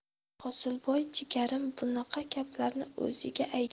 hosilboy jigarim bunaqa gaplarni o'ziga ayting